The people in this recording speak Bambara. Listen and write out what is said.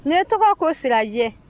ne tɔgɔ ko sirajɛ